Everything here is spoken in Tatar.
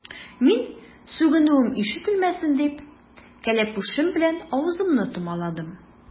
Мин, сүгенүем ишетелмәсен дип, кәләпүшем белән авызымны томаладым.